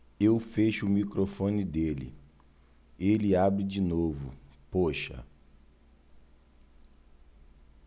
eu fecho o microfone dele ele abre de novo poxa